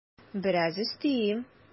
Бераз өстим.